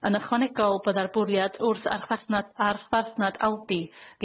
Yn ychwanegol byddai'r bwriad wrth archfarthnad archfarthnad Aldi